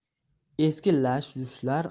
eski lash lushlar